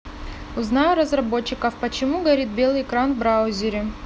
узнай у разработчиков почему горит белый экран в браузере